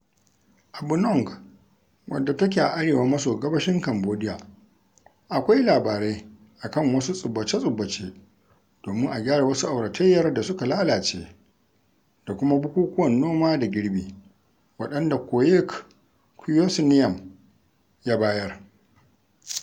A Bunong, wadda take a arewa maso gabashin Cambodiya, akwai labarai a kan wasu tsubbace-tsubbace domin a gyara wasu auratayyar da suka lalace da kuma bukukuwan noma da girbi, waɗanda Khoeuk Keosineam ya bayar.